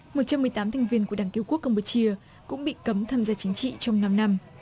một trăm mười tám thành viên của đảng cứu quốc cam pu chia cũng bị cấm tham gia chính trị trong năm năm